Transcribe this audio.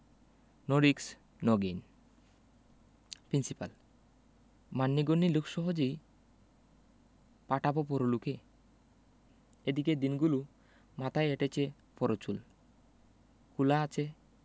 no risk no gain principle মান্যিগন্যি লোক সহজেই পাঠাবো পরলোকে এদিকে দৈনিকগুলো মাথায় এঁটেছে পরচুলো খোলা আছে